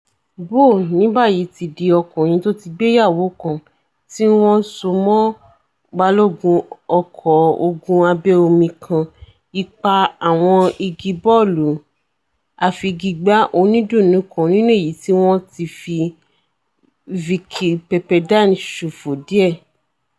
Bough ní báyìí ti dí ọkùnrin tóti gbéyàwó kan, tíwọn sọ mọ́ balógun ọko ogun abẹ́-omi kan, ipa àwọn igi bọ́ọ̀lú-àfigigbá onídùnnú kan nínú èyití wọn ti fi Vicki Pepperdine ṣòfo díẹ̀.